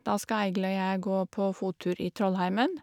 Da skal Eigil og jeg gå på fottur i Trollheimen.